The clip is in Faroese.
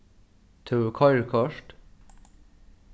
tú hevur koyrikort